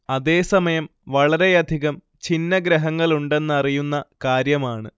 അതേ സമയം വളരെയധികം ഛിന്നഗ്രഹങ്ങളുണ്ടെന്നറിയുന്ന കാര്യമാണ്